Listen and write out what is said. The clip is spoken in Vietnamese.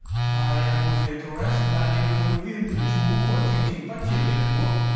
ma ri a hô dê tô rét là điều phối viên thường trú của chương trình phát triển liên hiệp quốc